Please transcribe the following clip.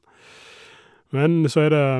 Men så er det...